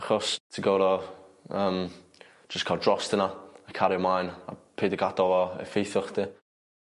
achos ti goro yym jyst ca'l drost hyna a cario mlaen a peida gatal o effeithio chdi.